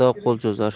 gado qo'l cho'zar